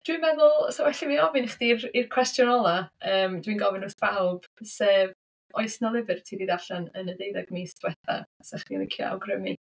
Dwi'n meddwl 'sa well i fi ofyn i chdi i'r cwestiwn ola yym dwi'n gofyn wrth bawb, sef oes 'na lyfr ti 'di darllen yn y deuddeg mis diwetha 'sa chdi'n licio awgrymu?